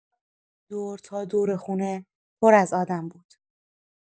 دور تا دور خونه پر از آدم بود.